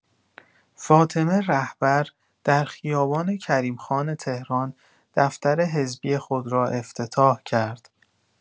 فاطمه رهبر در خیابان کریمخان تهران دفتر حزبی خود را افتتاح کرد.